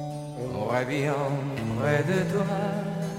Wayan mɔ tɛ dɔrɔn